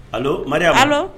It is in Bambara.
Allo Mariam